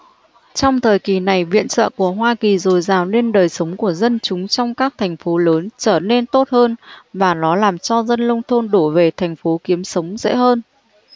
trong thời kỳ này viện trợ của hoa kỳ dồi dào nên đời sống của dân chúng trong các thành phố lớn trở nên tốt hơn và nó làm cho dân nông thôn đổ về thành phố để kiếm sống dễ hơn